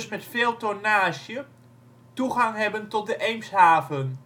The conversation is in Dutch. met veel tonnage, toegang hebben tot de Eemshaven